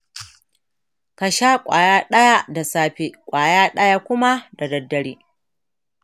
ka sha kwaya daya da safe, kwaya daya kuma da daddare.